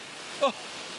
O!